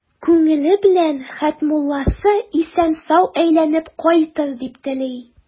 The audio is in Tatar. Күңеле белән Хәтмулласы исән-сау әйләнеп кайтыр дип тели.